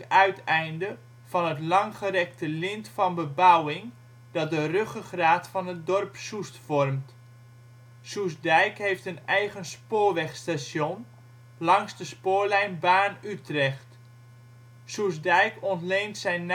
uiteinde van het langgerekte lint van bebouwing dat de ruggengraat van het dorp Soest vormt. Soestdijk heeft een eigen spoorwegstation langs de spoorlijn Baarn-Utrecht. Soestdijk ontleent zijn